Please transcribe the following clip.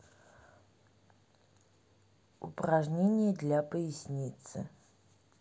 упражнения для поясницы